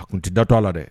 A ko n tɛ da to a la dɛ